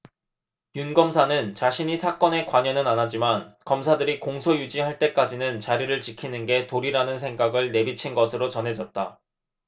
윤 검사는 자신이 사건에 관여는 안하지만 검사들이 공소유지 할 때까지는 자리를 지키는 게 도리라는 생각을 내비친 것으로 전해졌다